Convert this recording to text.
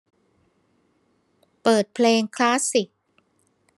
เปิดเพลงคลาสสิก